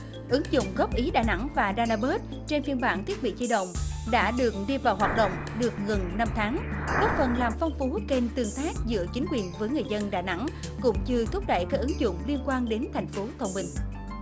ứng dụng góp ý đà nẵng và đa na bớt trên phiên bản thiết bị di động đã được đi vào hoạt động được gần năm tháng góp phần làm phong phú kênh tương tác giữa chính quyền với người dân đà nẵng cũng như thúc đẩy các ứng dụng liên quan đến thành phố thông minh